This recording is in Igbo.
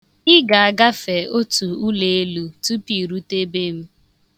Ị ga-agafe otu ụleelu tupu ị rute be m.